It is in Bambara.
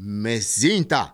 Mɛ z in ta